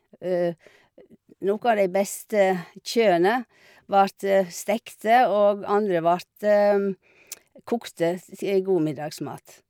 Noen av de beste kjøene vart stekte, og andre vart kokte, t til god middagsmat.